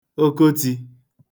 okotī